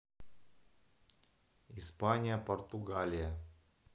испания португалия